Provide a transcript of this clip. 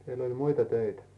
teillä oli muita töitä